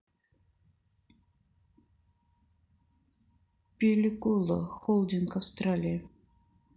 película холдинг австралия